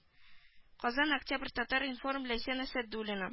-- казан октябрь татар-информ ләйсән әсәдуллина